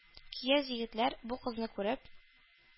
Көяз егетләр, бу кызыкны күреп,